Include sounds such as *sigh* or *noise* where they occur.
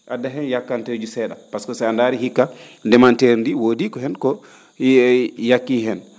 adda heen yakkantooji see?a pasque so a ndaarii hikka ndemanteeri ndii woidi heen ko *hesitation* yakkii heen